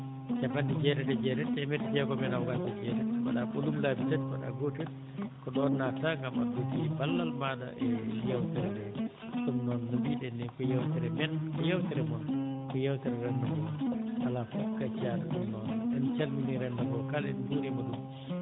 cappanɗe jeetati e jeetati teemedde jeegom e noogaas e jeetati mbaɗaa ɓolum laabi tati mbaɗaa gootel ko ɗoon naatataa ngam addude ballal maaɗa e yeewtere ndee ɗum noon no mbiɗen ni ko yeewtere men ko yeewtere mon ko yeewtere renndo ngoo alaa fof ngaccaaɗo ɗum noon en calminii renndo ngoo kala en njuuriima ɗum